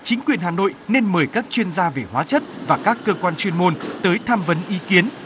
chính quyền hà nội nên mời các chuyên gia về hóa chất và các cơ quan chuyên môn tới tham vấn ý kiến